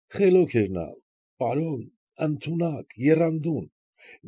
Խելոք էր նա, պարոն, ընդունակ, եռանդուն։